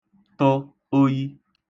tə oyi